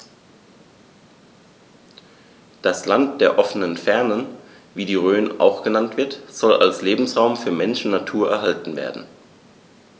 Das „Land der offenen Fernen“, wie die Rhön auch genannt wird, soll als Lebensraum für Mensch und Natur erhalten werden.